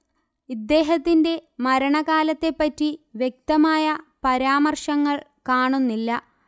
ഇദ്ദേഹത്തിന്റെ മരണകാലത്തെപ്പറ്റി വ്യക്തമായ പരാമർശങ്ങൾ കാണുന്നില്ല